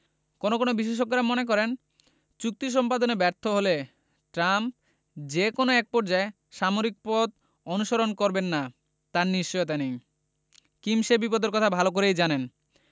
কোনো কোনো বিশেষজ্ঞেরা মনে করেন চুক্তি সম্পাদনে ব্যর্থ হলে ট্রাম্প যে কোনো একপর্যায়ে সামরিক পথ অনুসরণ করবেন না তার নিশ্চয়তা নেই কিম সে বিপদের কথা ভালো করেই জানেন